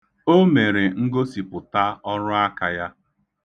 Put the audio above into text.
O mere ngosipụta ọrụaka ya.